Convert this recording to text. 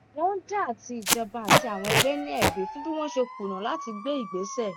Wọ́n ń dá àti ìjọba àti àwọn àgbẹ̀ ní ẹ̀bi fún bí wọ́n ti ṣe kùnà láti gbé ìgbésẹ̀.